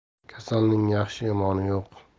kasalning yaxshi yomoni yo'q